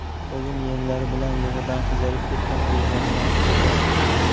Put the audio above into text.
oyim yenglari bilan yig'idan qizarib ketgan ko'zlarini artib turar edi